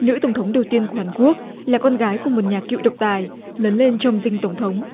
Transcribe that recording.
nữ tổng thống đầu tiên của hàn quốc là con gái của một nhà cựu độc tài lớn lên trong dinh tổng thống